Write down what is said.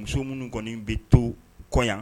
Muso minnu kɔni bɛ to u kɔ yan